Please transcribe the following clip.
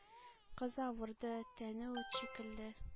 Кыз авырды, тәне ут шикелле,